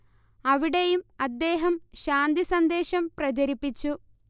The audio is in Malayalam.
അവിടെയും അദ്ദേഹം ശാന്തി സന്ദേശം പ്രചരിപ്പിച്ചു